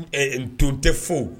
Ɛɛ n nton tɛ fo